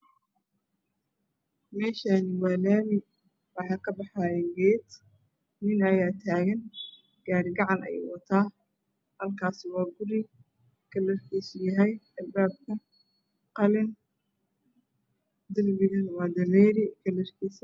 Meshani waa lami waxa kabaxayo ged ninaya tagan gari gacan ayu wata halkas waa guri kalarkisa yahay albabka waa qalin dabigana waa dameri kalar kisa